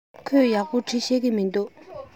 ཁོས ཡག པོ འབྲི ཤེས ཀྱི མིན འདུག